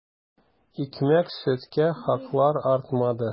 Икмәк-сөткә хаклар артмады.